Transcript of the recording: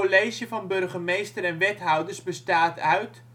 Het college van burgemeester en wethouders bestaat uit